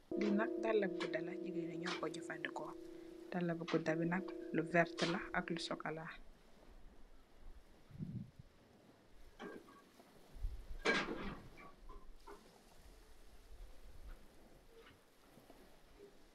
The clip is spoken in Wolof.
Li nak dalla bu gudda la jigeen yi ñu koy jafandiko, dalla bu gudda bi nak lu verta la ak lu sokola.